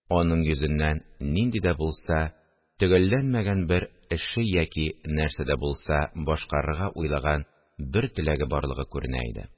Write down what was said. Аның йөзеннән нинди дә булса төгәлләнмәгән бер эше яки нәрсә дә булса башкарырга уйлаган бер теләге барлыгы күренә иде